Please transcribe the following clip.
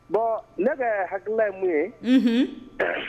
Bon ne ka hakilila ye min ye, unhun